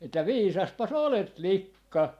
että viisaspas olet likka